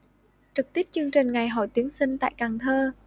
trực tiếp chương trình ngày hội tuyển sinh tại cần thơ